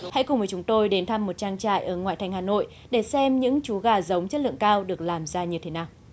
hãy cùng với chúng tôi đến thăm một trang trại ở ngoại thành hà nội để xem những chú gà giống chất lượng cao được làm ra như thế nào